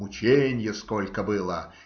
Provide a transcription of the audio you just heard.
Мученья сколько было!